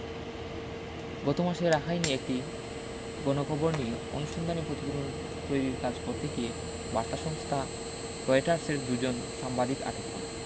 গত মাসে রাখাইনে একটি গণকবর নিয়ে অনুসন্ধানী পতিবেদন তৈরির কাজ করতে গিয়ে বার্তা সংস্থা রয়টার্সের দুজন সাংবাদিক আটক হন